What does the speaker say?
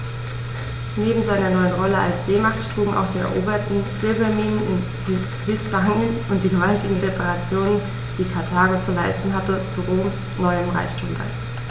Neben seiner neuen Rolle als Seemacht trugen auch die eroberten Silberminen in Hispanien und die gewaltigen Reparationen, die Karthago zu leisten hatte, zu Roms neuem Reichtum bei.